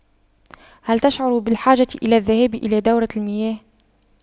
هل تشعر بالحاجة إلى الذهاب إلى دورة المياه